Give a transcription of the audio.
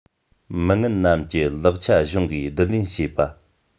མི ངན རྣམས ཀྱི ལག ཆ གཞུང གིས སྡུད ལེན བྱེད པ